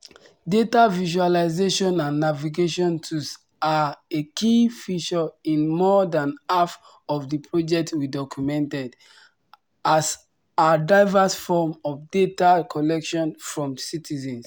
Data visualization and navigation tools are a key feature in more than half of the projects we documented, as are diverse forms of data collection from citizens.